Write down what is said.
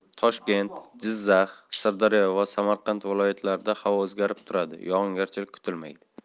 toshkent jizzax sirdaryo va samarqand viloyatlarida havo o'zgarib turadi yog'ingarchilik kutilmaydi